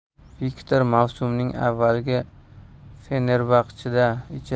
viktor mavsumning avvalini fenerbaxche da ijara asosida